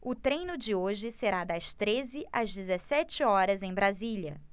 o treino de hoje será das treze às dezessete horas em brasília